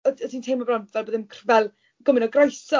O' o' ti'n teimlo bron fel bod dim cr- fel gymaint o groeso.